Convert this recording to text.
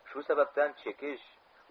shu sababdan chekish